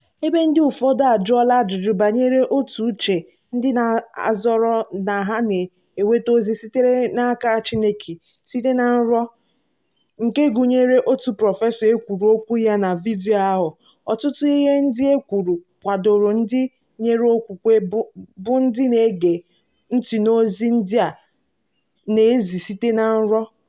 Ebe ndị ụfọdụ ajụọla ajụjụ banyere otu uche ndị na-azọrọ na ha na-enweta ozi sitere n'aka Chineke site na nrọ, nkegụnyere otu prọfesọ e kwuru okwu ya na vidiyo ahụ, ọtụtụ ihe ndị e kwuru kwadoro ndị nwere okwukwe bụ ndị na-ege ntị n'ozi ndị a na-ezi site na nrọ.